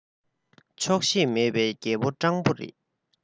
ཆོག ཤེས མེད པའི རྒྱལ པོ སྤྲང པོ རེད